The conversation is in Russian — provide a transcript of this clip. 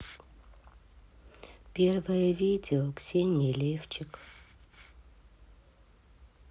первое видео ксении левчик